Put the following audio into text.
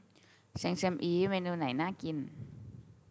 เซงเซียมอี๊เมนูไหนน่ากิน